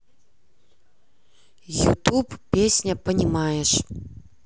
ютуб песня понимаешь